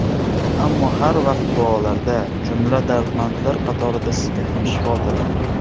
ammo har vaqt duolarda jumla dardmandlar qatorida sizga ham shifo tiladim